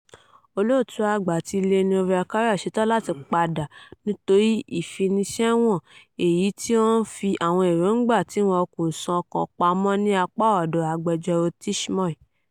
Olóòtú Àgbà ti "Le Nouveau Courier" ṣetán láti padà nítorí ìfinisẹ́wọ̀n yìí èyí tí ó ń fi àwọn èróńgbà tí wọn kò sọ kan pamọ́ ní apá ọ̀dọ̀ agbẹjọ́rò Tchimou.